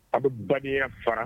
A bɛ bara fara